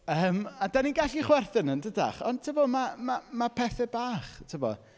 Yym a dan ni'n gallu chwerthin yn dydech. Ond tibod ma' ma' ma' pethe bach tibod.